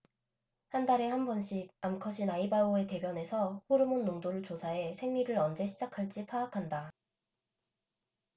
한 달에 한 번씩 암컷인 아이바오의 대변에서 호르몬 농도를 조사해 생리를 언제 시작할지 파악한다